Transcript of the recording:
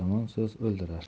yomon so'z o'ldirar